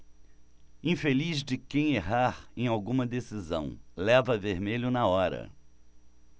infeliz de quem errar em alguma decisão leva vermelho na hora